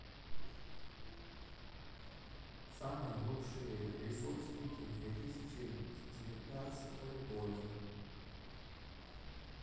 самые лучшие ресурсники две тысячи девятнадцатого года